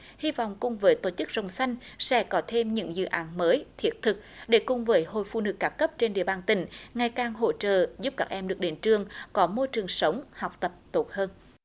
hy vọng cùng với tổ chức rồng xanh sẽ có thêm những dự án mới thiết thực để cùng với hội phụ nữ các cấp trên địa bàn tỉnh ngày càng hỗ trợ giúp các em được đến trường có môi trường sống học tập tốt hơn